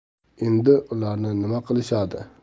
endi ularni nima qilishadi